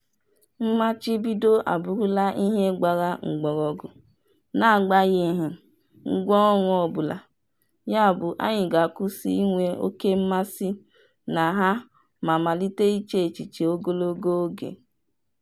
"Mmachibido abụrụla ihe gbara mgbọrọgwụ, n'agbanyeghị ngwaọrụ ọbụla, yabụ anyị ga-akwụsị inwe oké mmasị na ha ma malite iche echiche ogologo oge."